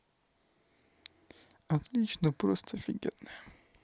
отлично просто офигенная